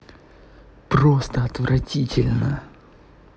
просто отвратительно